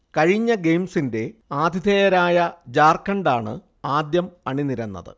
കഴിഞ്ഞ ഗെയിംസിന്റെ ആതിഥേയരായ ജാർഖണ്ഡാണ് ആദ്യം അണിനിരന്നത്